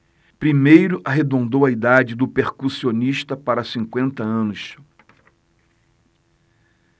primeiro arredondou a idade do percussionista para cinquenta anos